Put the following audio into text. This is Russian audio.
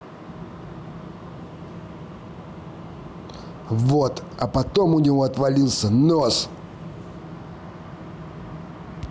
вот а потом у него отвалился нос